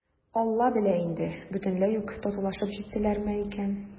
«алла белә инде, бөтенләй үк татулашып җиттеләрме икән?»